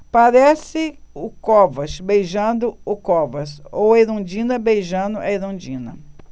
parece o covas beijando o covas ou a erundina beijando a erundina